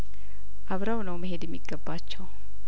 አብረው ነው መሄድ የሚገባቸው